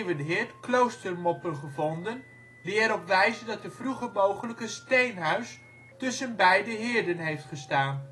Ewenheerd kloostermoppen gevonden die erop wijzen dat er vroeger mogelijk een steenhuis tussen beide heerden heeft gestaan